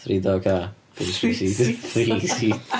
Three door car... three seater... .